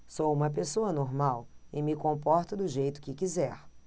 sou homossexual e me comporto do jeito que quiser